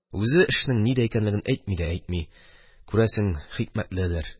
Үзе эшнең нидә икәнлеген әйтми дә әйтми, күрәсең, хикмәтледер.